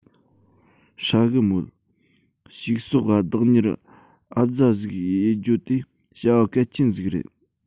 ཧྲ གི མོད ཕྱུགས ཟོག ག བདག གཉེར ཨ ཙ ཟིག ཡེད རྒྱུའོ དེ བྱ བ གལ ཆེན ཟིག རེད